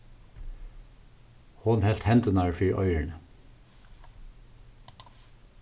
hon helt hendurnar fyri oyruni